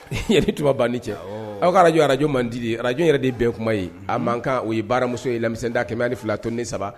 Yɛrɛ tun ban ni cɛ aw ka araj araj man ddi arajo yɛrɛ de bɛn kuma ye a man kan u ye baaramuso ye lamida kɛmɛ ni fila toon ni saba